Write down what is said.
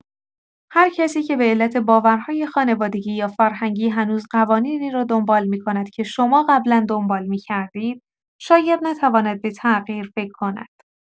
هرکسی که به‌علت باورهای خانوادگی یا فرهنگی هنوز قوانینی را دنبال می‌کند که شما قبلا دنبال می‌کردید، شاید نتواند به تغییر فکر کند.